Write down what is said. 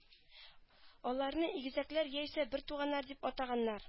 Аларны игезәкләр яисә бертуганнар дип атаганнар